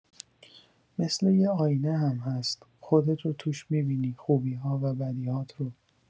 مثل یه آینه هم هست، خودت رو توش می‌بینی، خوبی‌ها و بدی‌هات رو.